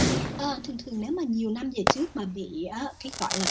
ờ thường thường nếu mà nhiều năm về trước mà bị ớ